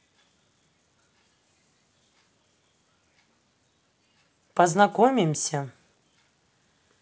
познакомиться